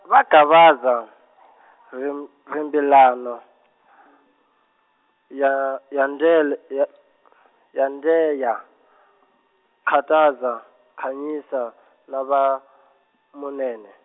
Va Gavaza , Rim- Rimbilano , Ya- Yandele Ya- , Yandheya , Khataza, Khanyisa na va, Munene.